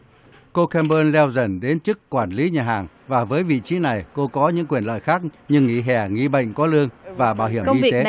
cô kem bơn leo dần đến chức quản lý nhà hàng và với vị trí này cô có những quyền lợi khác như nghỉ hè nghỉ bệnh có lương và bảo hiểm y tế